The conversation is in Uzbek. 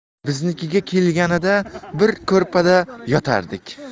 biznikiga kelganida bir ko'rpada yotardik